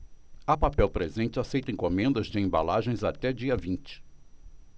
a papel presente aceita encomendas de embalagens até dia vinte